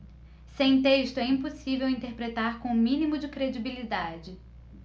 sem texto é impossível interpretar com o mínimo de credibilidade